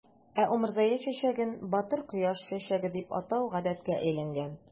Ә умырзая чәчәген "батыр кояш чәчәге" дип атау гадәткә әйләнгән.